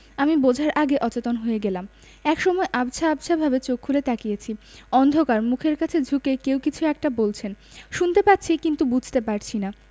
আমি বোঝার আগে অচেতন হয়ে গেলাম একসময় আবছা আবছাভাবে চোখ খুলে তাকিয়েছি অন্ধকার মুখের কাছে ঝুঁকে কেউ কিছু একটা বলছেন শুনতে পাচ্ছি কিন্তু বুঝতে পারছি না